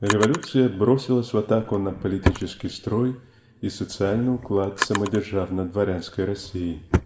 Революция бросилась в атаку на политический строй и социальный уклад самодержавно-дворянской России.